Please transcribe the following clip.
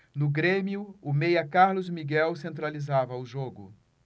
no grêmio o meia carlos miguel centralizava o jogo